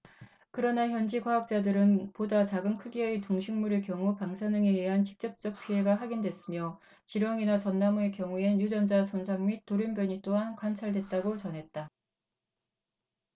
그러나 현지 과학자들은 보다 작은 크기의 동식물의 경우 방사능에 의한 직접적 피해가 확인됐으며 지렁이나 전나무의 경우엔 유전자 손상 및 돌연변이 또한 관찰됐다고 전했다